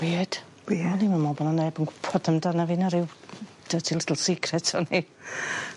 Wierd. Wier-. O'n ni'm yn me'l bo' 'na neb yn gwpod amdana fi na ryw dirty little secret o'n i.